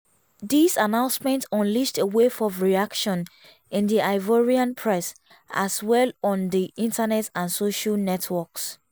This announcement unleashed a wave of reaction in the Ivorian press as well on the internet and social networks.